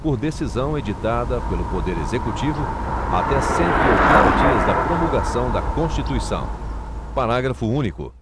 por decisão editada pelo poder executivo até cento e oitenta dias da promulgação da constituição parágrafo único